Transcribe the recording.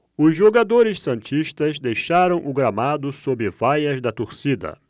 os jogadores santistas deixaram o gramado sob vaias da torcida